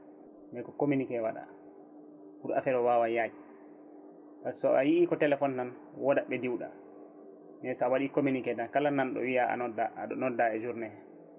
mais ko communiqué waɗa pour affaire o wawa yaaj par ce que so a yi ko téléphone tan wodat ɓe diwɗa mais sa waɗi communiqué tan kala nanɗo wiiya a nodda aɗa nodda e journée he